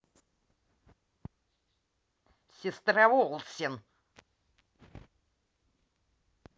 сестра олсен